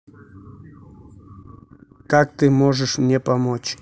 как ты можешь мне помочь